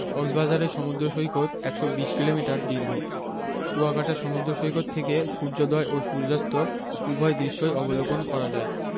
কক্সবাজারের সমুদ্র সৈকত ১২০ কিলোমিটার দীর্ঘ কুয়াকাটা সমুদ্র সৈকত থেকে সূর্যোদয় ও সূর্যাস্ত উভয় দৃশ্যই অবলোকন করা যায়